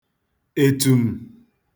ètùm̀